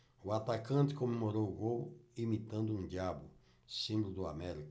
o atacante comemorou o gol imitando um diabo símbolo do américa